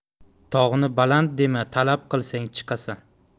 tog'ni baland dema talab qilsang chiqasan